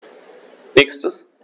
Nächstes.